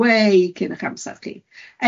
wei cyn ych amsar chi.